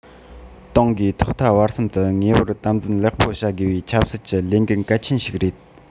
ཏང གིས ཐོག མཐའ བར གསུམ དུ ངེས པར དམ འཛིན ལེགས པོ བྱ དགོས པའི ཆབ སྲིད ཀྱི ལས འགན གལ ཆེན ཞིག རེད